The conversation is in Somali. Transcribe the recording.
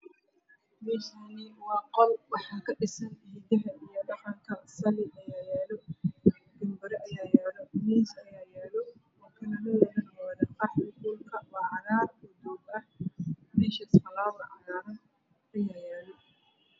Meeshaan waa qol waxaa kadhisan dhidaha iyo dhaqanka waxaa yaalo sali, gambaro, miis, kalaradoodu waa qaxwi. Dhulkana waa cagaar miiska falaawar ayaa yaalo.